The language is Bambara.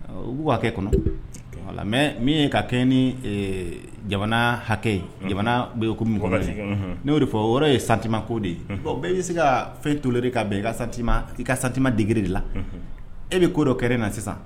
Uwakɛ kɔnɔ mɛ min ye ka kɛ ni jamana hakɛ ye jamana ye ko m n'o de fɔ o yɔrɔ ye santi ko de ye bɛɛ'i se ka fɛn to ka bɛn i ka sati i ka santima digiri de la e bɛ ko dɔ kɛ na sisan